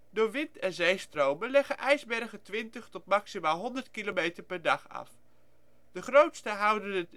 Door wind en zeestromen leggen ijsbergen 20 tot maximaal 100 kilometer per dag af; de grootste houden